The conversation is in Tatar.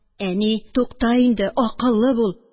Әни: – Тукта инде, акыллы бул